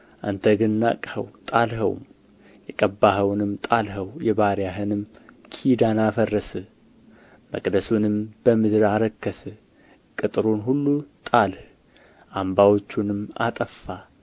አንተ ግን ናቅኸው ጣልኸውም የቀባኸውንም ጣልኸው የባሪያህንም ኪዳን አፈረስህ መቅደሱንም በምድር አረከስህ ቅጥሩን ሁሉ ጣልህ አምባዎቹንም አጠፋህ